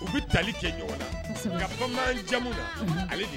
U bɛli cɛ ɲɔgɔn na ka jamu